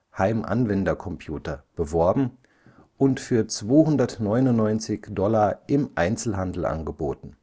Heimanwendercomputer) beworben und für 299 $ im Einzelhandel angeboten